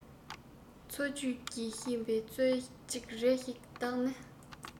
འཚོ བཅུད ཀྱི ཤིས པ སྩོལ ཅིག རེ ཞིག བདག ནི